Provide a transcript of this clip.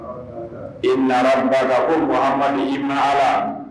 I nanaba ko wa i ma